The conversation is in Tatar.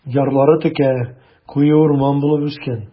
Ярлары текә, куе урман булып үскән.